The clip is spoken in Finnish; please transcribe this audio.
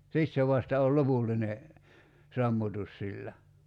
sitten se vasta on lopullinen sammutus sillä